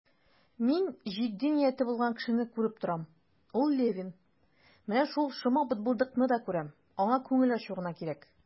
Мин җитди нияте булган кешене күреп торам, ул Левин; менә шул шома бытбылдыкны да күрәм, аңа күңел ачу гына кирәк.